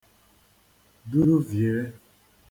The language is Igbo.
duvìe